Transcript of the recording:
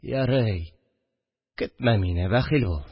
– ярый, көтмә мине, бәхил бул